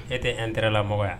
E tɛ an tɛ lamɔgɔya